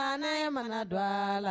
Kana yɛlɛmana don a la